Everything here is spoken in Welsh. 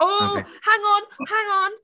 Ww!... Ok ...hang on hang on.